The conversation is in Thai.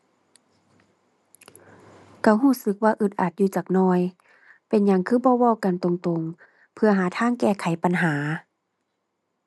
ก็ก็สึกว่าอึดอัดอยู่จักหน่อย เป็นหยังคือบ่เว้ากันตรงตรง เพื่อหาทางแก้ไขปัญหา